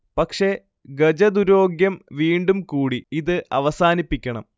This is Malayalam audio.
'പക്ഷേ ഗജദുരോഗ്യം വീണ്ടും കൂടി'. ഇത് അവസാനിപ്പിക്കണം